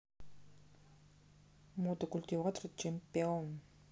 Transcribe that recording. мотокультиватор чемпион